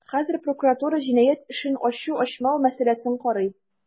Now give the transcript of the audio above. Хәзер прокуратура җинаять эшен ачу-ачмау мәсьәләсен карый.